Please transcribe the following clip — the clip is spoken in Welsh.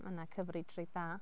Mae 'na coverage reit dda.